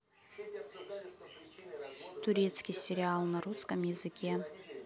турецкий сериал на русском языке